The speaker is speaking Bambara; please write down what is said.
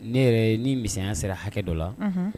Ne yɛrɛ ye ni miya sera hakɛ dɔ la